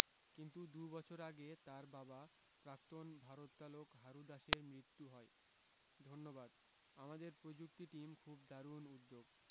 কিন্তু দু বছর আগে তার বাবা প্রাক্তন ভারোত্তলক হারু দাসের মৃত্যু হয় ধন্যবাদ আমাদের প্রযুক্তি টিম খুব দারুণ উদ্দ্যোগ